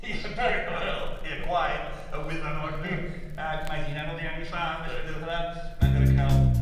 Ia Beard oil ia gwaed y wyddan orddu ac mae hi'n anodd iawn i'w lladd felly yna. Ma'n gor'o' ca'l